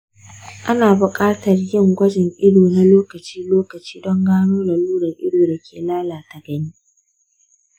ana buƙatar yin gwajin ido na lokaci-lokaci don gano lalurar ido da ke lalata gani.